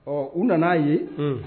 Ɔ u nana'a ye